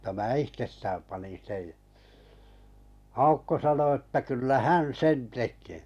mutta minä itsestään panin sen ja Aukko sanoi että kyllä hän sen tekee